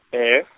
ee .